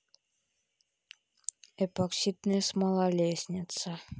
эпоксидная смола лестница